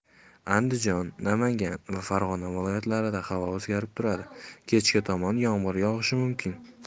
andijon namangan va farg'ona viloyatlarida havo o'zgarib turadi kechga tomon yomg'ir yog'ishi mumkin